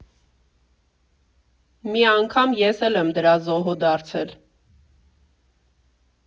Մի անգամ ես էլ եմ դրա զոհը դարձել։